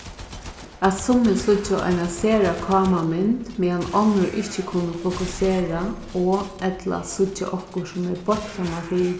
at summi síggja eina sera káma mynd meðan onnur ikki kunnu fokusera og ella síggja okkurt sum er beint framman fyri